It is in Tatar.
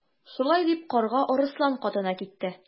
Шулай дип Карга Арыслан катына китте.